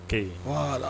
Kɛ yen voila